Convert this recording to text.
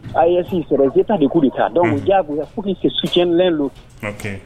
AES c'et des Etats de coup d'Etat . Unhun. Donc diyagɔya il faut qu'ils se soutiennent, l'un l'autre . Ok .